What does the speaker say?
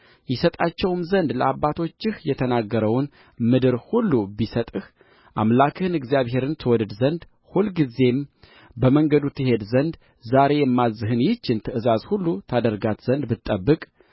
ይሰጣቸውም ዘንድ ለአባቶችህ የተናገረውን ምድር ሁሉ ቢሰጥህ አምላክህን እግዚአብሔርን ትወድድ ዘንድ ሁልጊዜም በመንገዱ ትሄድ ዘንድ ዛሬ የማዝዝህን ይህችን ትእዛዝ ሁሉታደርጋት ዘንድ ብትጠብቅ